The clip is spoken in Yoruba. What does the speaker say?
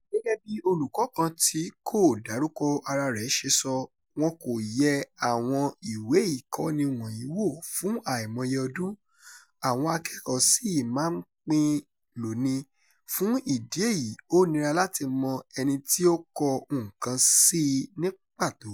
Gẹ́gẹ́ bí olùkọ́ kan tí kò dárúkọ araa rẹ̀ ṣe sọ, wọn kò yẹ àwọn ìwé ìkọ́ni wọ̀nyí wò fún àìmọye ọdún, àwọn akẹ́kọ̀ọ́ sì máa ń pín in lò ni, fún ìdí èyí ó nira láti mọ ẹni tí ó kọ nǹkan sí i ní pàtó.